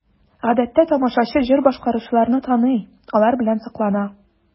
Гадәттә тамашачы җыр башкаручыларны таный, алар белән соклана.